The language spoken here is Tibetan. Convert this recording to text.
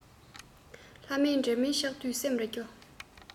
ལྷ མིན འདྲེ མིན ཆགས དུས སེམས རེ སྐྱོ